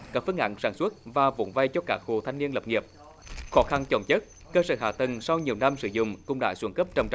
các phương án sản xuất và vốn vay cho các hộ thanh niên lập nghiệp khó khăn chồng chất cơ sở hạ tầng sau nhiều năm sử dụng cũng đã xuống cấp trầm